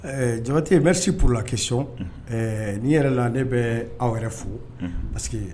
Jabati bɛsi pla kic n'i yɛrɛ la ne bɛ aw yɛrɛ fo parce